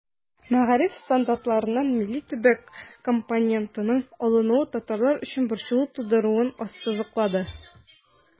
Мәгариф стандартларыннан милли-төбәк компонентының алынуы татарлар өчен борчылу тудыруын ассызыклады.